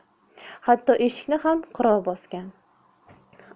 hatto eshikni ham qirov bosgan